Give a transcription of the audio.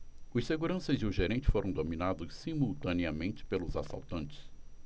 os seguranças e o gerente foram dominados simultaneamente pelos assaltantes